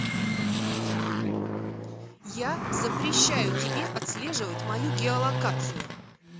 я запрещаю тебе отслеживать мою геолокацию